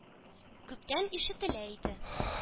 Күптән ишетелә инде.